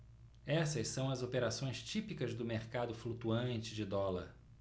essas são as operações típicas do mercado flutuante de dólar